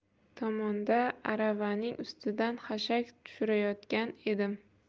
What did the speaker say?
tomonda aravaning ustidan xashak tushirayotgan edim